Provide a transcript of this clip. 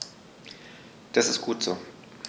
Das ist gut so.